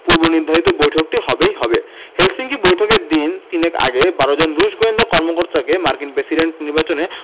পূর্বনির্ধারিত বৈঠকটি হবেই হবে হেলসিঙ্কি বৈঠকের দিন তিনেক আগে ১২ জন রুশ গোয়েন্দা কর্মকর্তাকে মার্কিন প্রেসিডেন্ট নির্বাচনে